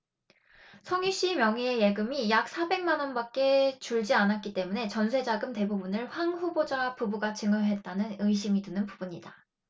성희씨 명의의 예금이 약 사백 만원밖에 줄지 않았기 때문에 전세자금 대부분을 황 후보자 부부가 증여했다는 의심이 드는 부분이다